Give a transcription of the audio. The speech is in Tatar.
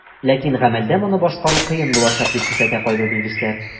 Ләкин гамәлдә моны башкару кыен булачак, дип кисәтә кайбер белгечләр.